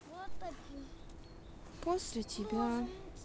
после тебя